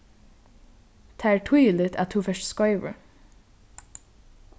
tað er týðiligt at tú fert skeivur